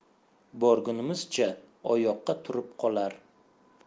borgunimizcha oyoqqa turib qolar